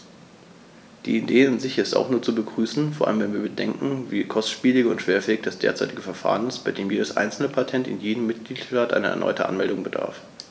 Die Idee an sich ist nur zu begrüßen, vor allem wenn wir bedenken, wie kostspielig und schwerfällig das derzeitige Verfahren ist, bei dem jedes einzelne Patent in jedem Mitgliedstaat einer erneuten Anmeldung bedarf.